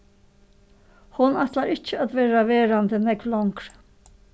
hon ætlar ikki at verða verandi nógv longri